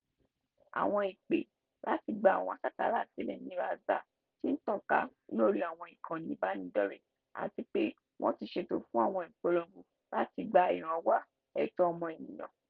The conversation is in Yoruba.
Àwọn ìpè láti wá gba àwọn asásàálà sílẹ̀ ní Ras Jdir ti ń tàn ká lórí àwọn ìkànnì ìbánidọ́rẹ̀ẹ́, àti pé wọ́n ti ṣètò fún àwọn ìpolongo láti gba ìrànwọ́ ẹ̀tọ́ ọmọnìyàn.